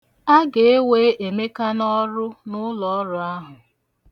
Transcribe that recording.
A ga-ewe Emeka n'ọrụ n'ụlọọrụ ahụ.